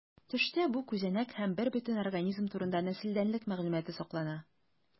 Төштә бу күзәнәк һәм бербөтен организм турында нәселдәнлек мәгълүматы саклана.